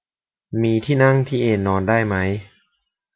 มีที่นั่งที่เอนนอนได้มั้ย